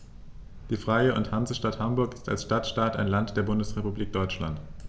Die Freie und Hansestadt Hamburg ist als Stadtstaat ein Land der Bundesrepublik Deutschland.